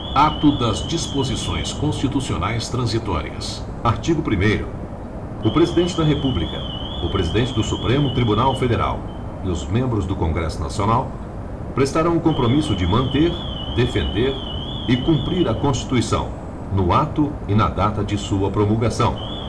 ato das disposições constitucionais transitórias artigo primeiro o presidente da república o presidente do supremo tribunal federal e os membros do congresso nacional prestarão o compromisso de manter defender e cumprir a constituição no ato e na data de sua promulgação